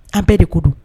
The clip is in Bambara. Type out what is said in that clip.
An bɛɛ de ko dun